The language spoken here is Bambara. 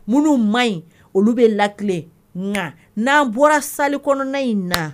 Minnu ma in olu bɛ lakile n'an bɔra sali kɔnɔna in na